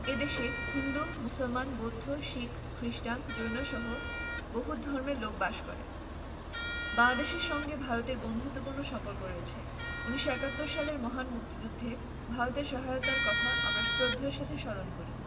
এ দেশে হিন্দু মুসলমান বৌদ্ধ শিখ খ্রিস্টান জৈনসহ বহু ধর্মের লোক বাস করে বাংলাদেশের সঙ্গে ভারতের বন্ধুত্তপূর্ণ সম্পর্ক রয়ছে ১৯৭১ সালের মহান মুক্তিযুদ্ধে ভারতের সহায়তার কথা আমরা শ্রদ্ধার সাথে স্মরণ করি